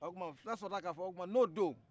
o tuma fulaw sɔrɔla k'a fɔ o tuma n'o don